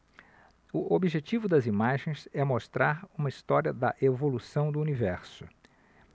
o objetivo das imagens é mostrar uma história da evolução do universo